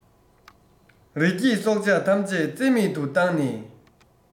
རི སྐྱེས སྲོག ཆགས ཐམས ཅད རྩེ མེད དུ བཏང ནས